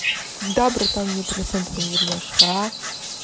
когда братан мне проценты мои вернешь а